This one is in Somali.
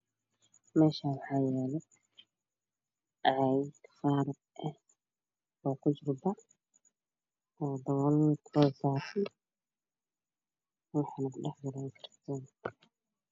Meeshan waxa yalo cagaf faruq ah ay kuran oo kujira bac oo daboolan waxayna ku dhex jirtaa karton